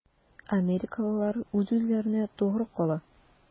Америкалылар үз-үзләренә тугры кала.